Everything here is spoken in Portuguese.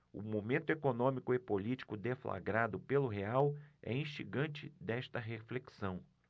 o momento econômico e político deflagrado pelo real é instigante desta reflexão